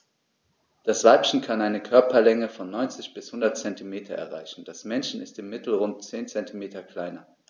Das Weibchen kann eine Körperlänge von 90-100 cm erreichen; das Männchen ist im Mittel rund 10 cm kleiner.